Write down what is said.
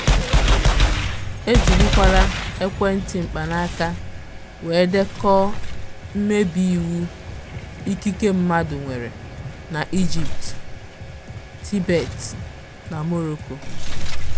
Ejirikwala ekwentị mkpanaaka were dekọ mmebi iwu ikike mmadụ nwere, na Egypt, Tibet na Morocco.